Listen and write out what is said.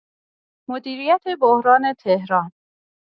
مدیریت بحران تهران